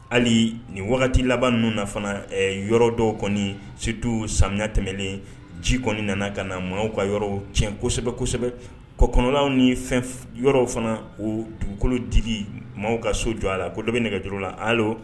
Hali nin wagati laban ninnu na fana yɔrɔ dɔw kɔni situ samiyɛya tɛmɛnen ji kɔnɔna nana ka na maaw ka yɔrɔ cɛn kosɛbɛ kosɛbɛ kɔ kɔnɔlaw ni fɛn yɔrɔ fana o dugukolo di maaw ka so jɔ a la ko dɔ bɛ nɛgɛj la hali